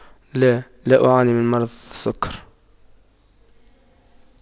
لا لا أعاني من مرض السكر